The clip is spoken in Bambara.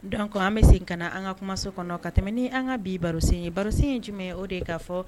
Donc an bɛ segin ka na an ka kumaso kɔnɔ, ka tɛmɛ ni an ka bi barosen ye. Barosen ye jumɛn ye, o de ye ka fɔ